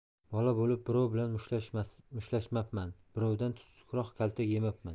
bola bo'lib birov bilan mushtlashmabman birovdan tuzukroq kaltak yemabman